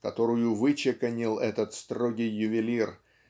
которую вычеканил этот строгий ювелир